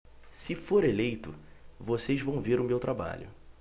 se for eleito vocês vão ver o meu trabalho